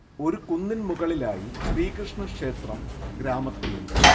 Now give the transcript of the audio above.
ഒരു കുന്നിൻ മുകളിലായ് ശ്രീകൃഷ്ണ ക്ഷേത്രം ഗ്രാമത്തിലുണ്ട്